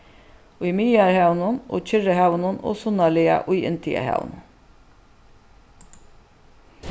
í miðjarðarhavinum og kyrrahavinum og sunnarlaga í indiahavinum